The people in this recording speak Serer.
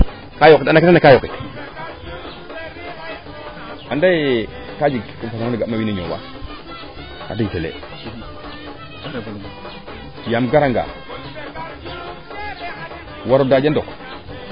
kaa yoqit anda ke taxna kaa yoqit ande kaa jeg o facon ole ga ma wiin we ñoowa ande feleeyaam gara nga waro daaja ndok